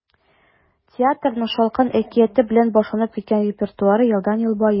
Театрның “Шалкан” әкияте белән башланып киткән репертуары елдан-ел байый.